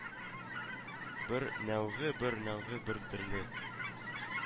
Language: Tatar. Бер нәүгы бер нәүгы бер төрле